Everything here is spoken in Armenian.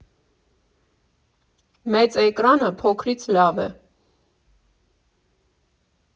Մեծ էկրանը փոքրից լավ է։